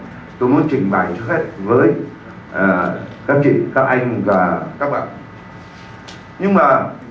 tôi muốn trình bày hết với các chị các anh và các bạn nhưng mà